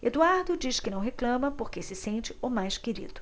eduardo diz que não reclama porque se sente o mais querido